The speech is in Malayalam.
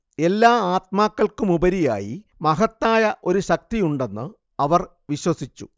എല്ലാ ആത്മാക്കൾക്കുമുപരിയായി മഹത്തായ ഒരു ശക്തിയുണ്ടെന്ന് അവർ വിശ്വസിച്ചു